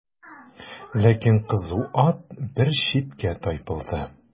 Ләкин кызу ат бер читкә тайпылды.